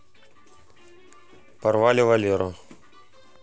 порвали валеру